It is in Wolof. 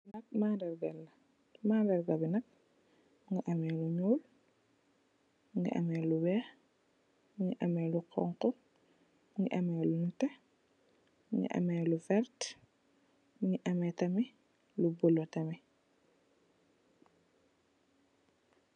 nak ma rar vel la.ma rar vel bi nak mu nge Ameh lu nul, mu gi ameh lu weyh mu nge ameh lu honha mugi ameh lu nette mugi am lu verter mugi ameh tamit lu bulo.